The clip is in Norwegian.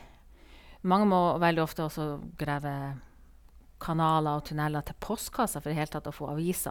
Mange må veldig ofte også grave kanaler og tunneler til postkassa for i hele tatt å få avisa.